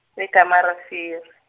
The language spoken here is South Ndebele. e- Kameelrivier.